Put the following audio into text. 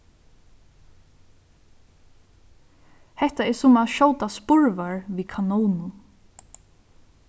hatta er sum at skjóta spurvar við kanónum